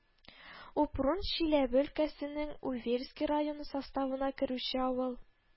Упрун Чиләбе өлкәсенең Увельский районы составына керүче авыл